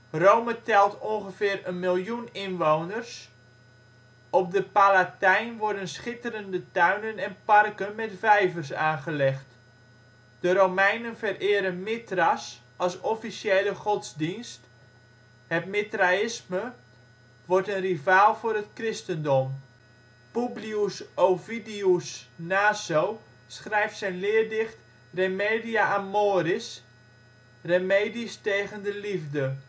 Rome telt ± 1.000.000 inwoners, op de Palatijn worden schitterende tuinen en parken met vijvers aangelegd. De Romeinen vereren Mithras als officiële godsdienst, het Mithraïsme wordt een rivaal voor het Christendom. Publius Ovidius Naso schrijft zijn leerdicht Remedia Amoris (" Remedies tegen de liefde